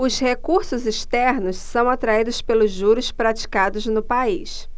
os recursos externos são atraídos pelos juros praticados no país